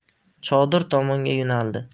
chodir tomonga yo'naldi